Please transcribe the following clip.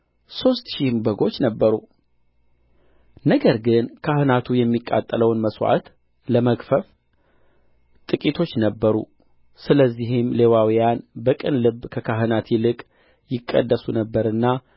ሦስት ሺህም በጎች ነበረ ነገር ግን ካህናቱ የሚቃጠለውን መሥዋዕት ለመግፈፍ ጥቂቶች ነበሩ ስለዚህም ሌዋውያን በቅን ልብ ከካህናት ይልቅ ይቀደሱ ነበርና